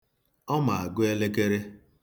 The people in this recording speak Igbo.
Ọ ma agụ elekere.